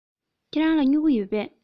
ཁྱེད རང ལ སྨྱུ གུ ཡོད པས